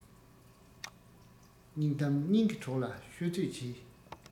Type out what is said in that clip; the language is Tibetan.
སྙིང གཏམ སྙིང གི གྲོགས ལ ཤོད ཚོད གྱིས